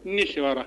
Ne sira